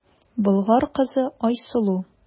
Болгар кызы Айсылу.